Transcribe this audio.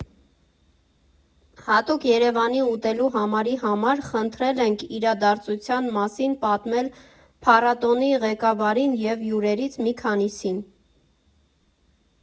Հատուկ ԵՐԵՎԱՆի ուտելու համարի համար խնդրել ենք իրադարձության մասին պատմել փառատոնի ղեկավարին և հյուրերից մի քանիսին։